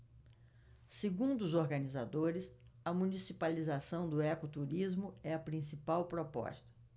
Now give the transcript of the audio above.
segundo os organizadores a municipalização do ecoturismo é a principal proposta